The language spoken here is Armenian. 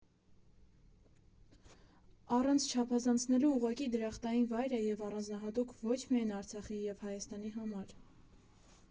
Առանց չափազանցնելու ուղղակի դրախտային վայր է և առանձնահատուկ ոչ միայն Արցախի և Հայաստանի համար։